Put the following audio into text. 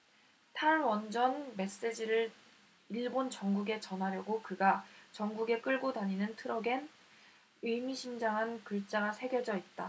탈원전 메시지를 일본 전국에 전하려고 그가 전국에 끌고 다니는 트럭엔 의미심장한 글자가 새겨져 있다